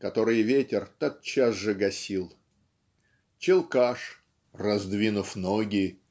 которые ветер тотчас же гасил" Челкаш "раздвинув ноги